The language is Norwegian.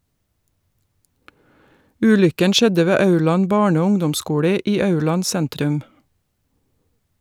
Ulykken skjedde ved Aurland barne- og ungdomsskole i Aurland sentrum.